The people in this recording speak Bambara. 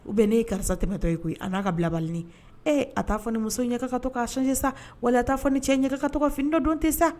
U bɛnnen ye karisa tɛmɛtɔ yen koyi a n'a ka bilabalini. E a t'a fɔ ni muso in ye k'a ka to ka changer sa, wala a ta fɔ ni cɛ in ye k'a ka to ka fini dɔ don tɛ sa.